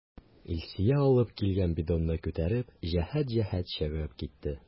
Илсөя алып килгән бидонны күтәреп, җәһәт-җәһәт чыгып китте.